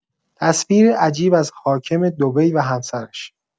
تصویر عجیب از حاکم دبی و همسرش